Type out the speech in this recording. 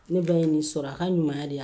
Ne ba ye nin sɔrɔ a ka ɲumanya de wa